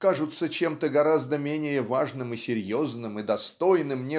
кажутся чем-то гораздо менее важным и серьезным и достойным